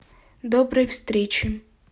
доброй встречи